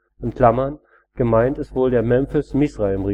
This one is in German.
Mizraim (gemeint ist wohl der Memphis-Misraïm-Ritus